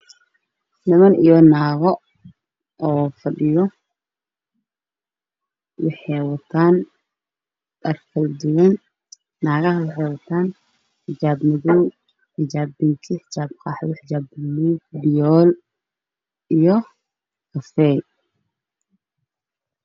Niman iyo naago meel hool ah weyn fadhiyo